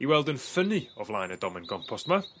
i weld yn ffynnu o flaen y domen gompost 'ma.